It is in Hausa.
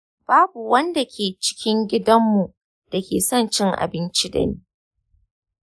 babu wanda ke cikin gadanmu da ke son cin abinci da ni.